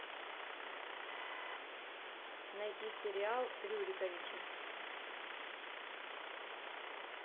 найти сериал рюриковичи